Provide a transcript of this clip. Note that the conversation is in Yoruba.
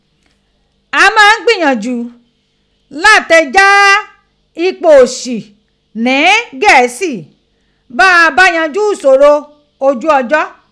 A máa ń gbìyànjú láti ja ipò òṣì ní Gẹ̀ẹ́sì, ba a bá yanjú ìṣòro ojú ọjọ́.